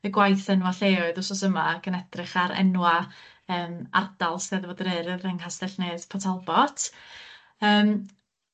y gwaith enwa' lleoedd wsos yma ac yn edrych ar enwa' yym Steddfod yr Urdd yng Nghastell Nedd Port Talbot yym